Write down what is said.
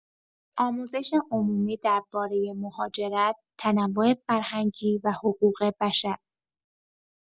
آموزش عمومی درباره مهاجرت، تنوع فرهنگی و حقوق‌بشر